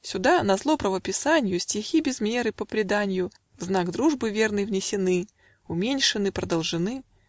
Сюда, назло правописанью, Стихи без меры, по преданью В знак дружбы верной внесены, Уменьшены, продолжены.